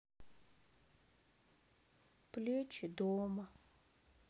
плечи дома